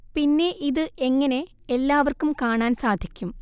പിന്നെ ഇത് എങ്ങനെ എല്ലാവര്‍ക്കും കാണാന്‍ സാധിക്കും